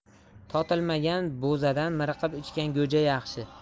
totilmagan bo'zadan miriqib ichgan go'ja yaxshi